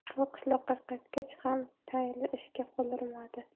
u qishloqqa qaytgach ham tayinli ishga qo'l urmadi